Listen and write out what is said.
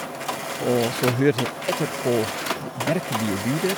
Og så hørte jeg etterpå litt merkelige lyder.